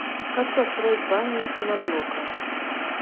как построить баню из пеноблока